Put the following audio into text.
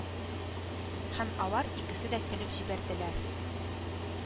Һәм алар икесе дә көлеп җибәрделәр